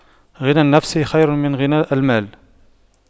غنى النفس خير من غنى المال